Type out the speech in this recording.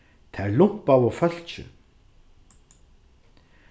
tær lumpaðu fólkið